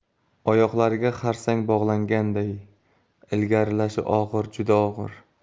oyoqlariga xarsang bog'langanday ilgarilashi og'ir juda og'ir